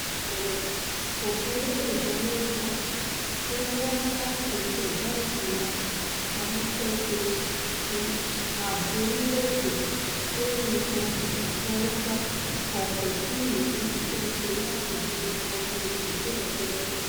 Ẹ̀wẹ̀, òfin orílẹ̀-èdè U.S. tí ó ń wá láti ṣẹ̀dá Ìgbìmọ̀ Amúṣẹ́ṣe ti Ààbò orílẹ̀-èdè lórí Ìmọ̀ Àtọwọ́da kan kò tíì rí iṣẹ́ ṣe láti bíi nǹkan bíi oṣù díẹ̀ ṣẹ́yìn